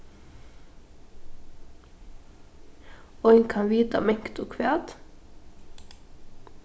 ein kann vita mangt og hvat